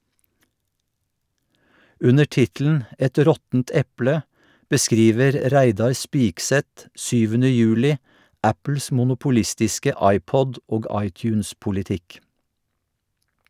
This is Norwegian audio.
Under tittelen "Et råttent eple" beskriver Reidar Spigseth 7. juli Apples monopolistiske iPod- og iTunes-politikk.